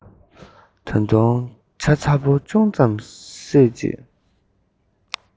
ད དུང ཇ ཚ པོ ཅུང ཙམ བསྲེས རྗེས